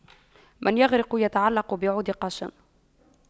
من يغرق يتعلق بعود قش